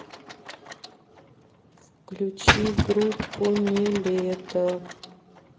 включи группу не лето